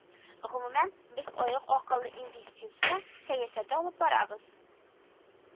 Гомумән, без аек акыллы инвестиция сәясәте алып барабыз